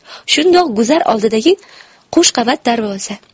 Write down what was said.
shundoq guzar oldidagi qo'shqavat darvoza